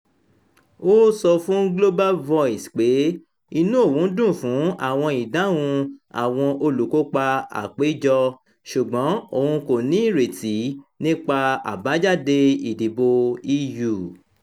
Ó sọ fún Global Voices pé inú òun dùn fún àwọn ìdáhùn àwọn olùkópa àpéjọ, ṣùgbọ́n òun kò ní ìrètí nípa àbájáde ìdìbò EU